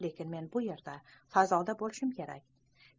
lekin men bu yerda fazoda bo'lishim kerak